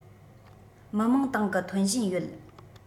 མི དམངས ཏང གི ཐོན བཞིན ཡོད